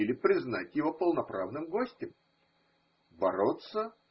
или признать его полно правным гостем. Бороться?